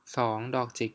สองดอกจิก